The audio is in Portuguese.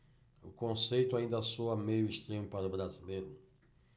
o conceito ainda soa meio estranho para o brasileiro